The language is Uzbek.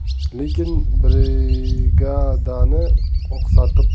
lekin brigadani oqsatib